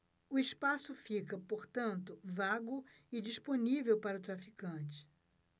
o espaço fica portanto vago e disponível para o traficante